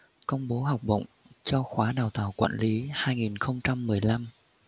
công bố học bổng cho khóa đào tạo quản lý hai nghìn không trăm mười lăm